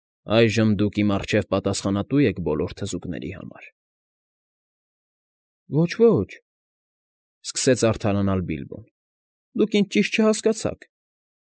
Այժմ դուք իմ առջև պատասխանատու եք բոլոր թզուկների համար։ ֊ Ո՛չ, ո՛չ,֊ սկսեց արդարանալ Բիլբոն։֊ Դուք ինձ ճիշտ չհասկացաք։